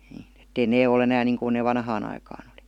niin että ei ne ole enää niin kuin ne vanhaan aikaan oli